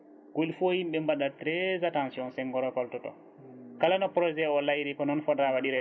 kuli fo yimɓe mbaɗa trés attention senggo récolte to kala no projet o layaori ko noon foota waɗirede